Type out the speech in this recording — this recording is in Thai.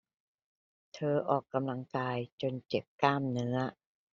เธอออกกำลังกายจนเจ็บกล้ามเนื้อ